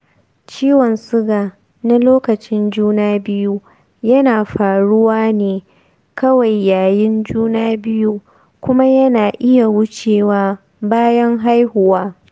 ciwon suga na lokacin juna biyu yana faruwa ne kawai yayin juna biyu kuma yana iya wucewa bayan haihuwa.